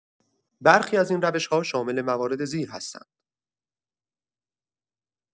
برخی از این روش‌ها شامل موارد زیر هستند